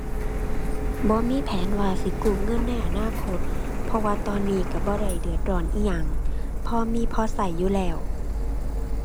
บ่มีแผนว่าสิกู้เงินในอนาคต เพราะว่าตอนนี้ก็บ่ได้เดือดร้อนอิหยัง พอมีพอก็อยู่แล้ว